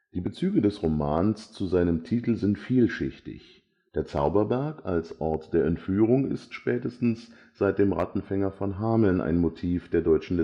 Die Bezüge des Romans zu seinem Titel sind vielschichtig: Der „ Zauberberg “als Ort der Entführung ist spätestens seit dem Rattenfänger von Hameln ein Motiv der deutschen